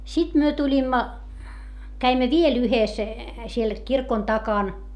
sitten me tulimme kävimme vielä yhdessä siellä kirkon takana